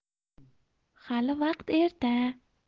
hali vaqt erta